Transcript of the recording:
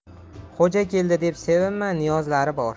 xo'ja keldi deb sevinma niyozlari bor